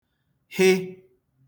hị